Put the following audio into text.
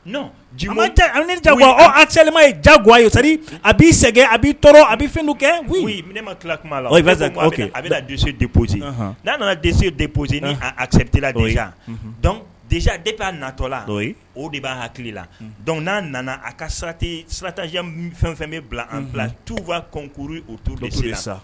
A selima ye jago ye sari a'i sɛgɛn a bɛ tɔɔrɔ a bɛ fɛn kɛ ne ma tila kuma la a bɛ dɛsɛse de boosi n'a nana dɛsɛse de posi nirela de de'a natɔla o de b'a hakili la dɔnku n'a nana a ka sarati sarataz fɛn fɛn bɛ bila an bila tuuba kɔnkuru o tu dese sa